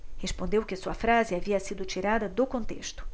respondeu que a sua frase havia sido tirada do contexto